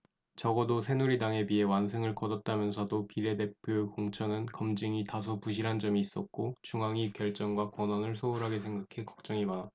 적어도 새누리당에 비해 완승을 거뒀다면서도 비례대표 공천은 검증이 다소 부실한 점이 있었고 중앙위 결정과 권한을 소홀하게 생각해 걱정이 많았다